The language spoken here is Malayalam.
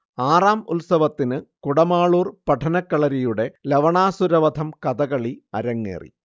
ആറാം ഉത്സവത്തിന് കുടമാളൂർ പഠനകളരിയുടെ ലവണാസുരവധം കഥകളി അരങ്ങേറി